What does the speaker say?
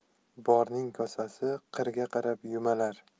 borning kosasi qirga qarab yumalar